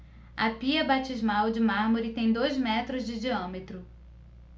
a pia batismal de mármore tem dois metros de diâmetro